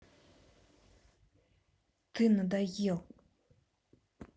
ты надоел